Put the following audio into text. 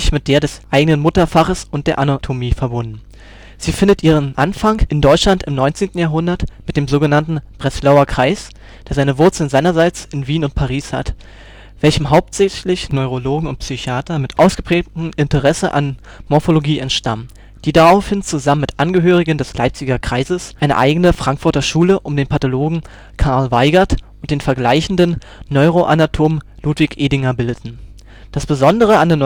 mit der des eigenen Mutterfaches und der Anatomie verbunden. Sie findet ihren Anfang in Deutschland im 19. Jahrhundert mit dem sog. „ Breslauer Kreis “, der seine Wurzeln seinerseits in Wien und Paris hat, welchem hauptsächlich Neurologen und Psychiater mit ausgeprägtem Interesse an Morphologie entstammen, die daraufhin zusammen mit Angehörigen des „ Leipziger Kreises “eine eigene „ Frankfurter Schule “um den Pathologen Carl Weigert und den vergleichenden Neuroanatomen Ludwig Edinger bildeten. Alois Alzheimer Das besondere an der Neuropathologie